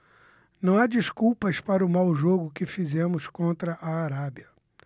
não há desculpas para o mau jogo que fizemos contra a arábia